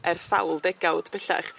ers sawl degawd bellach.